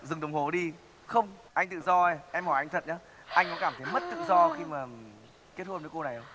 dừng đồng hồ đi không anh tự do ơi em hỏi anh thật nhơ anh có cảm thấy mất tự do khi mà kết hôn với cô này không